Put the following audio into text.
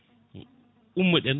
ummoɗen